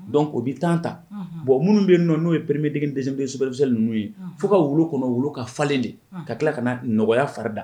Donc o bɛ taa ta bon minnu bɛ nɔ n'o ye pereeden de bɛ sobɛkisɛ ninnu ye fo ka wolo kɔnɔ wolo ka falenlen de ka tila ka na nɔgɔyaya fari da